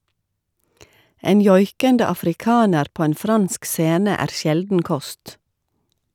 En joikende afrikaner på en fransk scene, er sjelden kost.